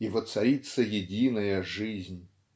и воцарится единая жизнь.